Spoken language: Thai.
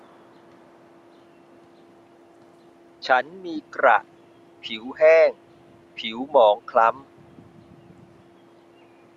ฉันมีกระผิวแห้งผิวหมองคล้ำ